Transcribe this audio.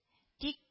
Тик